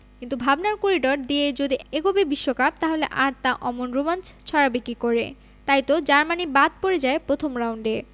কিন্তু ভাবনার করিডর দিয়েই যদি এগোবে বিশ্বকাপ তাহলে আর তা অমন রোমাঞ্চ ছড়াবে কী করে তাইতো জার্মানি বাদ পড়ে যায় প্রথম রাউন্ডে